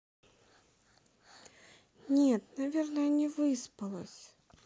нет наверное не выспалась